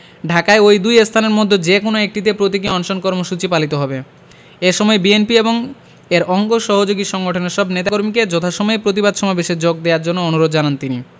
ঢাকায় ওই দুই স্থানের মধ্যে যেকোনো একটিতে প্রতীকী অনশন কর্মসূচি পালিত হবে এ সময় বিএনপি এবং এর অঙ্গ সহযোগী সংগঠনের সব নেতাকর্মীকে যথাসময়ে প্রতিবাদ সমাবেশে যোগ দেয়ার জন্য অনুরোধ জানান তিনি